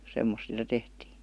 semmoista sitä tehtiin